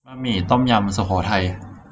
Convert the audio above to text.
บะหมี่ต้มยำสุโขทัย